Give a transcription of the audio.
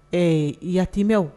Ɛɛ yatimɛw